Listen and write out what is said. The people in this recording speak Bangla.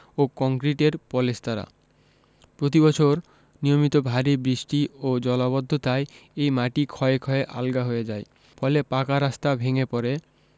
ও কংক্রিটের পলেস্তারা প্রতিবছর নিয়মিত ভারি বৃষ্টি ও জলাবদ্ধতায় এই মাটি ক্ষয়ে ক্ষয়ে আলগা হয়ে যায় ফলে পাকা রাস্তা ভেঙ্গে পড়ে